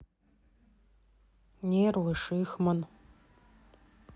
нервы шихман